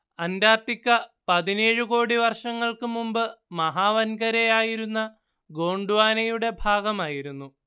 Antarctica പതിനേഴ് കോടി വർഷങ്ങൾക്ക് മുമ്പ് മഹാവൻകരയായിരുന്ന ഗോണ്ട്വാനയുടെ ഭാഗമായിരുന്നു